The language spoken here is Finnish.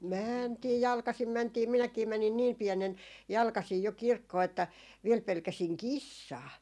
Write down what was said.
mentiin jalkaisin mentiin minäkin menin niin pienenä jalkaisin jo kirkkoon että vielä pelkäsin kissaa